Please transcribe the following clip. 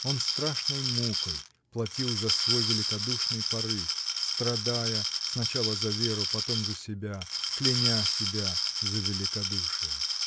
Он страшной мукой платил за свой великодушный порыв, страдая сначала за Веру, потом за себя, кляня себя за великодушие.